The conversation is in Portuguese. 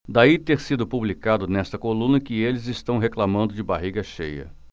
daí ter sido publicado nesta coluna que eles reclamando de barriga cheia